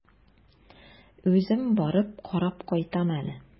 Үзем барып карап кайтам әле.